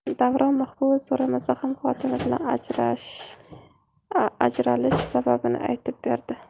davron mahbuba so'ramasa ham xotini bilan ajralish sababini aytib berdi